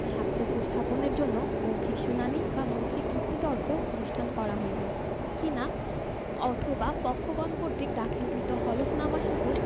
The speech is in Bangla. সাক্ষ্য উপস্থাপনের জন্য মৌখিক শুনানী বা মৌখিক যুক্তিতর্ক অনুষ্ঠান করা হইবে কিনা অথবা পক্ষগণ কর্তৃক দাখিলকৃত হলফনামাসহ